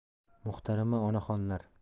muhtarama onaxonlar